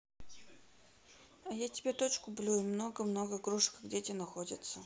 а я тебе точку блю и много много игрушек как дети находятся